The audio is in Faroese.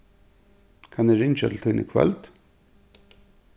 kann eg ringja til tín í kvøld